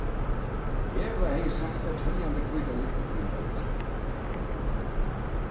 eva hevði sagt óteljandi hvítar lygnir fyri øllum